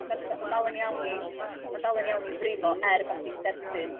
Ma' d- b- ma' dal yn iawn i ma' dal yn iawn i frifo er bo' chdi'n derbyn...